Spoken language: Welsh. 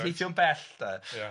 yn teithio'n bell, 'de? Ia.